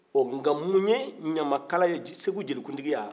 ɔ nka mun ye ɲamakala segu jelikuntigiya